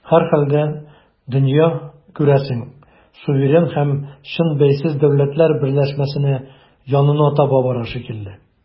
Һәрхәлдә, дөнья, күрәсең, суверен һәм чын бәйсез дәүләтләр берләшмәсенә янына таба бара шикелле.